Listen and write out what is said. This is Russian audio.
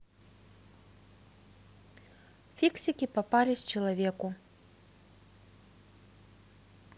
фиксики попались человеку